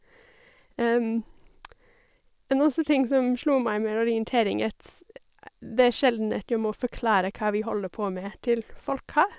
En også ting som slo meg med orientering, at det er sjelden at jeg må forklare hva vi holder på med til folk her.